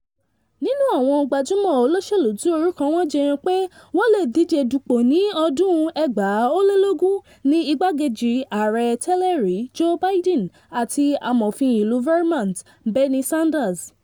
Nínú àwọn gbajúmọ̀ olóṣèlú tí orúkọ wọn jẹyọ pé wọ́n lè díje dupò ní ọdún 2020 ni igbákejì ààrẹ tẹ́lẹ̀ rí Joe Biden àti Amòfin ìlú Vermont, Bernie Sanders.